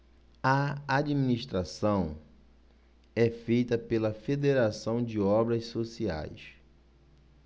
a administração é feita pela fos federação de obras sociais